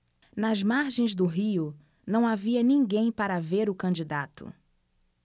nas margens do rio não havia ninguém para ver o candidato